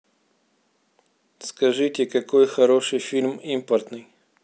скажите какой хороший фильм импортный